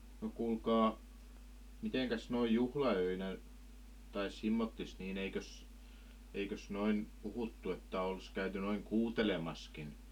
no kuulkaa mitenkäs noin juhlaöinä tai semmottoon niin eikös eikös noin puhuttu että olisi käyty noin kuutelemassakin